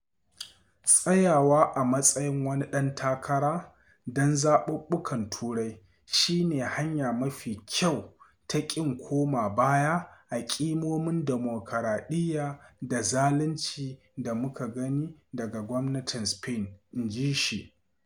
“Tsayawa a matsayin wani ɗan takara don zaɓuɓɓukan Turai shi ne hanya mafi kyau ta kin koma baya a ƙimomin dimokuraɗiyya da zalunci da muka gani daga gwamnatin Spain,” inji shi.